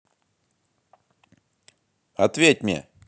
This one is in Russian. ответь мне